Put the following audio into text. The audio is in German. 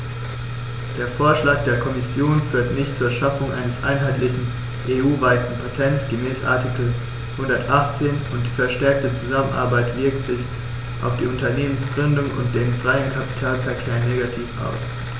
Der Vorschlag der Kommission führt nicht zur Schaffung eines einheitlichen, EU-weiten Patents gemäß Artikel 118, und die verstärkte Zusammenarbeit wirkt sich auf die Unternehmensgründung und den freien Kapitalverkehr negativ aus.